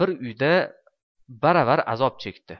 biri uyda baravar azob chekdi